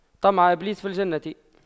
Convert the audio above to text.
طمع إبليس في الجنة